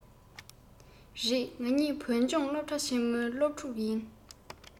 རེད ང གཉིས བོད ལྗོངས སློབ གྲ ཆེན མོའི སློབ ཕྲུག ཡིན